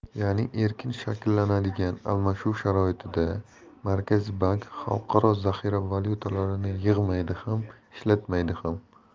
ya'ni erkin shakllanadigan almashuv sharoitida markaziy bank xalqaro zaxira valyutalarini yig'maydi ham ishlatmaydi ham